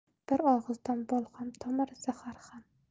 bir og'izdan bol ham tomar zahar ham